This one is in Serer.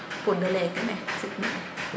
pour de leye kene sit nene